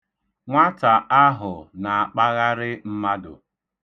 Nwata ahụ na-akpagharị mmadụ.